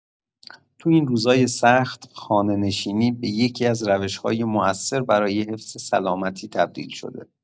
تو این روزای سخت، خانه‌نشینی به یکی‌از روش‌های مؤثر برای حفظ سلامتی تبدیل شده.